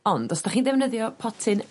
ond os 'dach chi'n defnyddio potyn